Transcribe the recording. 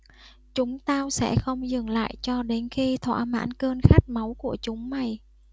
chúng tao sẽ không dừng lại cho đến khi thỏa mãn cơn khát máu của chúng mày